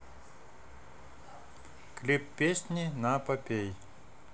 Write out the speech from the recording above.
клип песни на попей